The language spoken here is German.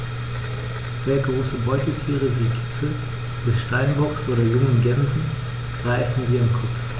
Sehr große Beutetiere wie Kitze des Steinbocks oder junge Gämsen greifen sie am Kopf.